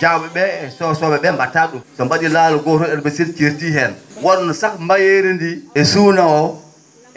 Diaw?e ?ee e Sow so?e ?ee mba?ataa ?um so mba?ii laawol gootol herbicide ceerti heen wonno sah mbayeeri ndii e suuna oo